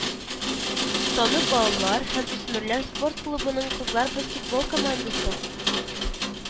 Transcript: Танып балалар һәм үсмерләр спорт клубының кызлар баскетбол командасы